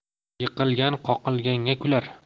yiqilgan qoqilganga kular